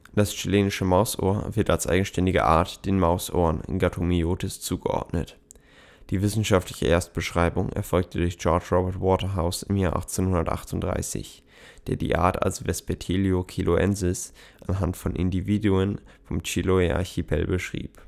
Das Chilenische Mausohr wird als eigenständige Art den Mausohren (Gattung Myotis) zugeordnet. Die wissenschaftliche Erstbeschreibung erfolgte durch George Robert Waterhouse im Jahr 1838, der die Art als Vespertilio Chiloensis anhand von Individuen vom Chiloé-Archipel beschrieb